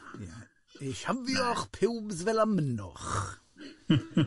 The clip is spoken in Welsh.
I shafio'ch piwbs fel y mynwch.